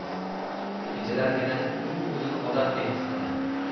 kechalarigina u o'zini odamdek his qiladi